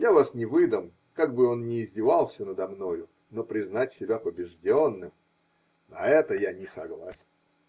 Я вас не выдам, как бы он ни издевался надо мною, но признать себя побежденным -- на это я не согласен.